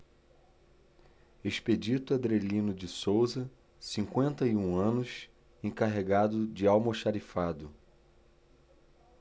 expedito andrelino de souza cinquenta e um anos encarregado de almoxarifado